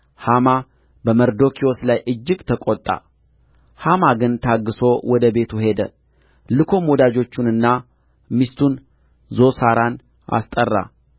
ሐማ በመርዶክዮስ ላይ እጅግ ተቈጣ ሐማ ግን ታግሦ ወደ ቤቱ ሄደ ልኮም ወዳጆቹንና ሚስቱን ዞሳራን አስጠራ